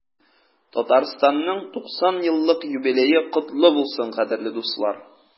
Татарстанның 90 еллык юбилее котлы булсын, кадерле дуслар!